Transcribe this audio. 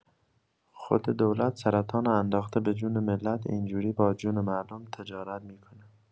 خود دولت سرطانو انداخته به جون ملت اینجوری با جون مردم تجارت می‌کنه!